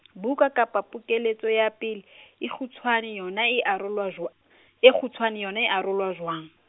buka kapa pokeletso ya pele , e kgutshwane yona e arolwa jwa-, e kgutshwane yona e arolwa jwang?